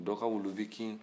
dɔ ka wulu b'i kin